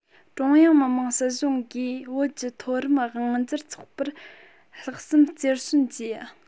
ཀྲུང དབྱང མི དམངས སྲིད གཞུང གིས བོད ཀྱི མཐོ རིམ དབང སྒྱུར ཚོགས པར ལྷག བསམ རྩེར སོན གྱིས